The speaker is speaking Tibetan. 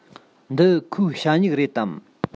འདི ཁོའི ཞ སྨྱུག རེད དམ